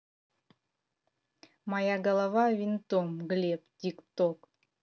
моя голова винтом глеб тик ток